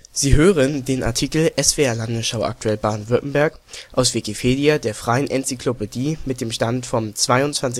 Sie hören den Artikel SWR Aktuell Baden-Württemberg, aus Wikipedia, der freien Enzyklopädie. Mit dem Stand vom Der